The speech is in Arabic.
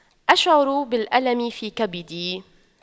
أشعر بالألم في كبدي